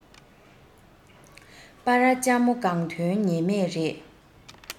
སྤ ར ལྕ མོ གང ཐོན ངེས མེད རེད